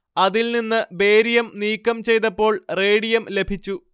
അതിൽ നിന്ന് ബേരിയം നീക്കം ചെയ്തപ്പോൾ റേഡിയം ലഭിച്ചു